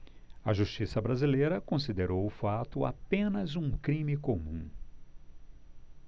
a justiça brasileira considerou o fato apenas um crime comum